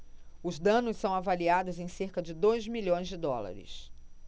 os danos são avaliados em cerca de dois milhões de dólares